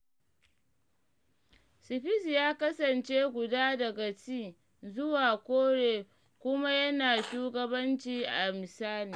Spieth ya kasance guba daga tee zuwa kore kuma yana shugabanci da misali.